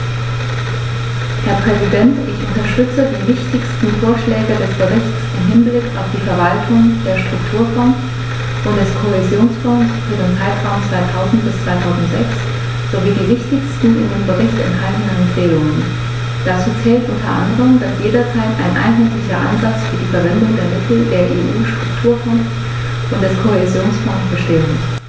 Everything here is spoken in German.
Herr Präsident, ich unterstütze die wichtigsten Vorschläge des Berichts im Hinblick auf die Verwaltung der Strukturfonds und des Kohäsionsfonds für den Zeitraum 2000-2006 sowie die wichtigsten in dem Bericht enthaltenen Empfehlungen. Dazu zählt u. a., dass jederzeit ein einheitlicher Ansatz für die Verwendung der Mittel der EU-Strukturfonds und des Kohäsionsfonds bestehen muss.